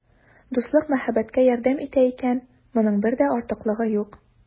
Дуслык мәхәббәткә ярдәм итә икән, моның бер дә артыклыгы юк.